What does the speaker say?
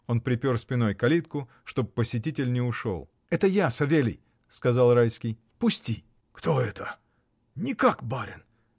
Он припер спиной калитку, чтоб посетитель не ушел. — Это я, Савелий! — сказал Райский. — Пусти. — Кто это? — никак барин!